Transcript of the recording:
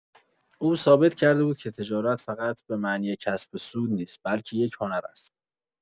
او ثابت کرده بود که تجارت فقط به معنی کسب سود نیست، بلکه یک هنر است.